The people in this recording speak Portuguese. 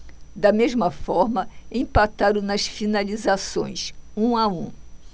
da mesma forma empataram nas finalizações um a um